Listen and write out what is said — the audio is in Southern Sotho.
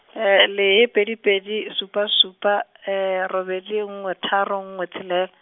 lehe pedi pedi, supa supa, robedi nngwe tharo, nngwe tshelela.